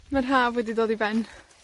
ma'r Haf wedi dod i ben.